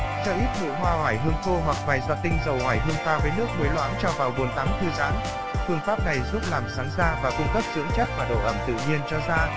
cho ít nụ hoa oải hương khô hoặc vài giọt tinh dầu oải hương pha với nước muối loãng cho vào bồn tắm thư giãn phương pháp này giúp làm sáng da và cung cấp dưỡng chất và độ ẩm tự nhiên cho da